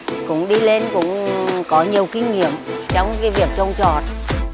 cũng đi lên cũng có nhiều kinh nghiệm trong cái việc trồng trọt